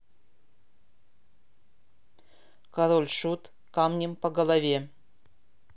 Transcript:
король шут камнем по голове